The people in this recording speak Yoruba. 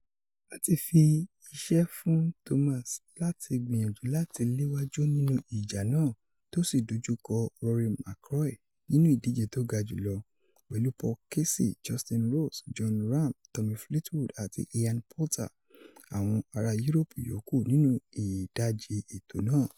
A ti fi iṣẹ́ fún Thomas láti gbìyànjú láti léwájú nínú ìjà náà, tó sì dojú kọ Rory McIlroy nínú ìdíje tó ga jùlọ, pẹ̀lú Paul Casey, Justin Rose, Jon Rahm, Tommy Fleetwood àti Ian Poulter àwọn ará Yúróòpù yòókù nínú ìdajì ètò náà.